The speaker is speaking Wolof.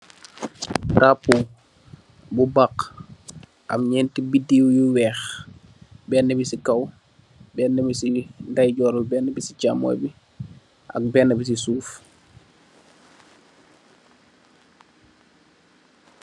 Daraapoo, bu baxeuh, am nyeent bidiw yu weekh, ben bi kaw, ben bi si ndaye joor bi, ben bi si chamooy bi, ak ben bi si suuf.